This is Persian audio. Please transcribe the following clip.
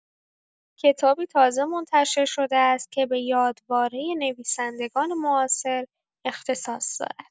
کتابی تازه منتشر شده است که به یادوارۀ نویسندگان معاصر اختصاص دارد.